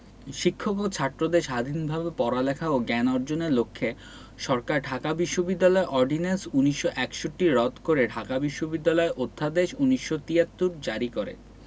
শিক্ষক ও ছাত্রদের স্বাধীনভাবে পড়ালেখা ও জ্ঞান অর্জনের লক্ষ্যে সরকার ঢাকা বিশ্ববিদ্যালয় অর্ডিন্যান্স ১৯৬১ রদ করে ঢাকা বিশ্ববিদ্যালয় অধ্যাদেশ ১৯৭৩ জারি করে